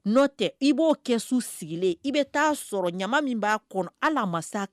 N' tɛ i b'o kɛ sigilen i bɛ taa sɔrɔ ɲama min b'a kɔnɔ ala